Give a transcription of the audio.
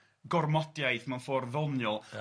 ...gormodiaeth mewn ffor' ddoniol... Ia